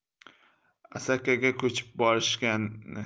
asakaga ko'chib borishgani